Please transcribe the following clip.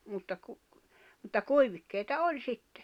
mutta - mutta kuivikkeita oli sitten